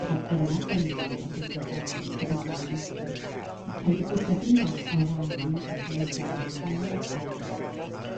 pa bynnag gefndir os o's 'ne dalent bydd o'n ca'l 'i feithrin ond yn gyffredinol o ran y celfyddyde o ran cerdd a drama